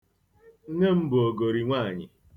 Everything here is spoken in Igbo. Nne m bụ ogori nwaanyị.